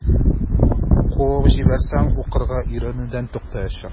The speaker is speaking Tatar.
Куып җибәрсәм, укырга йөрүдән туктаячак.